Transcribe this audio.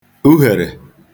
uhèrè